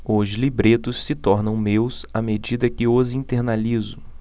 os libretos se tornam meus à medida que os internalizo